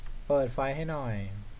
เปิดไฟให้หน่อย